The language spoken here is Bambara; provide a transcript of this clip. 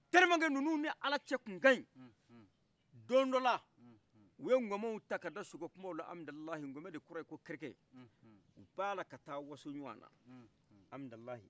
tɛlima ke nunnu ni ala cɛ tun kaɲi don dɔla uye ŋɔmɛw ta kada sokɛ kunbawla amidalayi ŋɔmɛ de tɔgɔye ko kɛrɛkɛ ubal la taa wasso ɲɔgɔna amidalyi